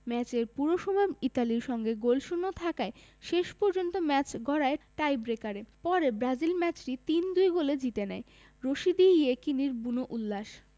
ম্যাচের পুরো সময় ইতালির সঙ্গে গোলশূন্য থাকায় শেষ পর্যন্ত ম্যাচ গড়ায় টাইব্রেকারে পরে ব্রাজিল ম্যাচটি ৩ ২ গোলে জিতে নেয় রশিদী ইয়েকিনীর বুনো উল্লাস